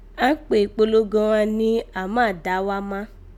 Àán kpè ìkpolongo ghan ni "Áàn máà dà wá má"